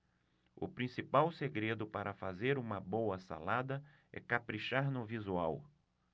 o principal segredo para fazer uma boa salada é caprichar no visual